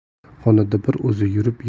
xonada bir oz yurib